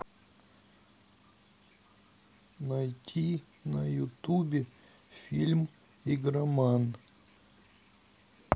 найти на ютубе фильм игроман